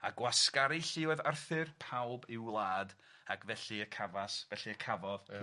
A gwasgaru lluoedd Arthur pawb i'w wlad ac felly y cafas felly y cafodd... Ia.